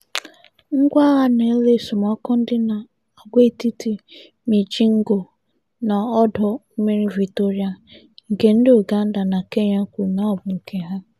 Ngwá agha na-ele esemokwu dị na agwaetiti Migingo na ọdọ mmiri Victoria, nke ndị Uganda na Kenya kwuru na ọ bụ nke ha.